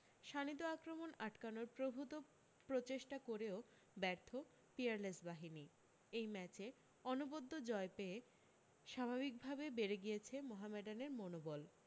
শাণিত আক্রমণ আটকানোর প্রভূত প্রচেষ্টা করেও ব্যর্থ পিয়ারলেস বাহিনী এই ম্যাচে অনবদ্য জয় পেয়ে স্বাভাবিক ভাবে বেড়ে গিয়েছে মোহামেডানের মনোবল